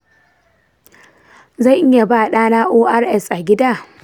zan iya ba ɗana ors a gida?